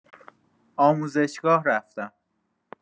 آموزشگاه رفتم